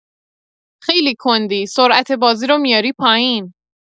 خیلی کندی سرعت بازی رو میاری پایین